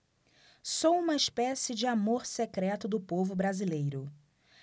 sou uma espécie de amor secreto do povo brasileiro